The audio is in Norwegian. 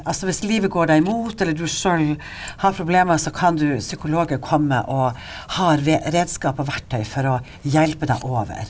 altså hvis livet går deg imot eller du sjøl har problemer så kan du psykologer komme og har redskap og verktøy for å hjelpe deg over.